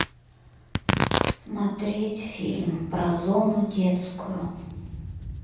смотреть фильм про зону детскую